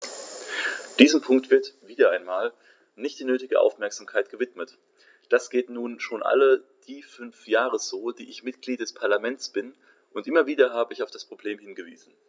Diesem Punkt wird - wieder einmal - nicht die nötige Aufmerksamkeit gewidmet: Das geht nun schon all die fünf Jahre so, die ich Mitglied des Parlaments bin, und immer wieder habe ich auf das Problem hingewiesen.